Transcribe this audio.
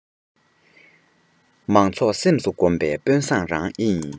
མང ཚོགས སེམས སུ བསྒོམས པའི དཔོན བཟང རང ཨེ ཡིན